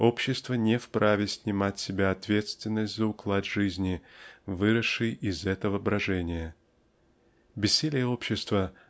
общество не вправе снимать с себя ответственность за уклад жизни выросший из этого брожения. Бессилие общества